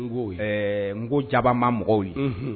Nko, ɛ nko jabama mɔgɔw ye, unhun